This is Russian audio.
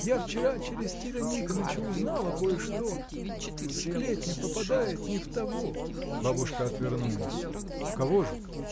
Я вчера через Тита Никоныча узнала кое-что. Сплетня попадает не в того. Бабушка отвернулась. — В кого же?